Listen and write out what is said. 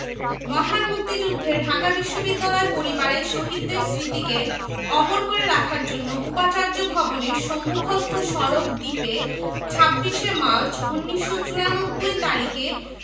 মহান মুক্তিযুদ্ধে ঢাকা বিশ্ববিদ্যালয় পরিবারের শহীদদের স্মৃতিকে অমর করে রাখার জন্য উপাচার্য ভবনের সম্মুখস্থ সড়ক দ্বীপে ২৬ মার্চ ১৯৯৪ তারিখে